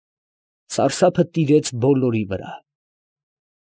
Սարսափը տիրեց բոլորի վրա։